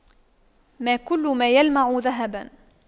ما كل ما يلمع ذهباً